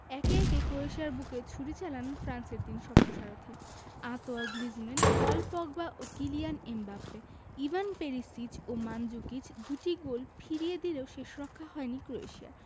একে একে ক্রোয়েশিয়ার বুকে ছুরি চালান ফ্রান্সের তিন স্বপ্নসারথি আঁতোয়া গ্রিজমান পল পগবা ও কিলিয়ান এমবাপ্পে ইভান পেরিসিচ ও মানজুকিচ দুটি গোল ফিরিয়ে দিলেও শেষরক্ষা হয়নি ক্রোয়েশিয়ার